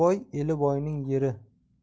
boy eli boyning yeri